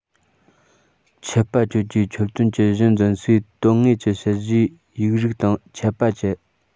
ཆད པ གཅོད རྒྱུའི ཆོད དོན གྱི གཞི འཛིན སའི དོན དངོས ཀྱི དཔྱད གཞིའི ཡིག རིགས དང ཆད པ བཅད